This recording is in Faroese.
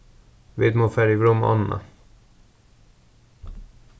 vit mugu fara yvir um ánna